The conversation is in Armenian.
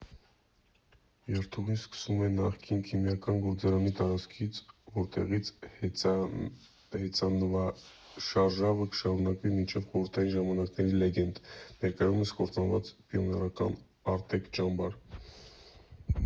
Երթուղին սկսվում է նախկին Քիմիական գործարանի տարածքից, որտեղից հեծանվարշավը կշարունակվի մինչև խորհրդային ժամանակների լեգենդ, ներկայումս կործանված պիոներական «Արտեկ» ճամբար։